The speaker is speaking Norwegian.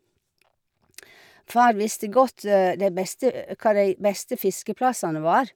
Far visste godt de beste hvor de beste fiskeplassene var.